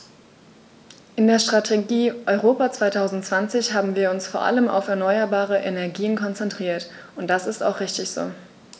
In der Strategie Europa 2020 haben wir uns vor allem auf erneuerbare Energien konzentriert, und das ist auch richtig so.